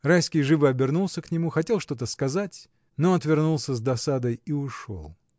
Райский живо обернулся к нему, хотел что-то сказать, но отвернулся с досадой и ушел.